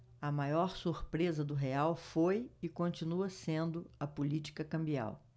a maior surpresa do real foi e continua sendo a política cambial